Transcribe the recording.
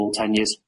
all tenures.